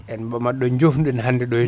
eyyi madɗo diofnu ɗen hande ɗo henna